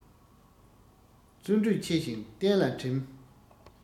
བརྩོན འགྲུས ཆེ ཞིང བརྟན ལ གྲིམས